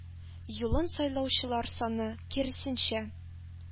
Юлын сайлаучылар саны, киресенчә,